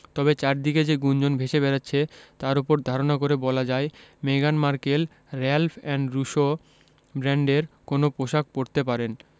তবে চারদিকে যে গুঞ্জন ভেসে বেড়াচ্ছে তার ওপর ধারণা করে বলা যায় মেগান মার্কেল রেলফ এন্ড রুশো ব্র্যান্ডের কোনো পোশাক পরতে পারেন